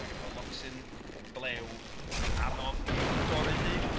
Mae gynno fo locsyn blew anodd i'w dorri 'lly. Ia.